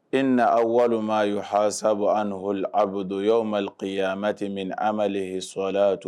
E na waga ma yo hasa aniɔl abu don y'aw ma kamati min an ma suwala cogo